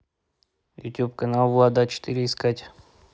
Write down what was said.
ютуб канал влада а четыре искать